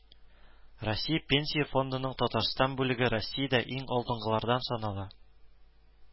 Россия Пенсия фондының Татарстан бүлеге Россиядә иң алдынгылардан санала